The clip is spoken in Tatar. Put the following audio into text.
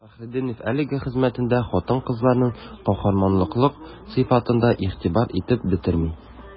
Фәхретдинов әлеге хезмәтендә хатын-кызларның каһарманлылык сыйфатына игътибар итеп бетерми.